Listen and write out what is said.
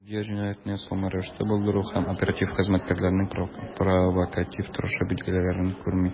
Судья "җинаятьне ясалма рәвештә булдыру" һәм "оператив хезмәткәрләрнең провокатив торышы" билгеләрен күрми.